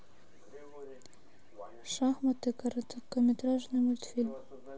шахматы короткометражный мультфильм